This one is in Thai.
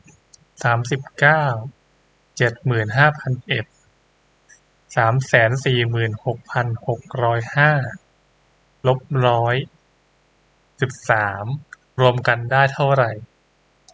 สามสิบเก้าเจ็ดหมื่นห้าพันเอ็ดสามแสนสี่หมื่นหกพันหกร้อยห้าลบร้อยสิบสามรวมกันได้เท่าไหร่